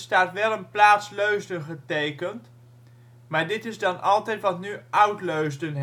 wel een plaats Leusden getekend, maar dit is dan altijd wat nu Oud-Leusden heet